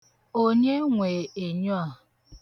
Onye nwe enyo?